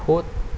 พุธ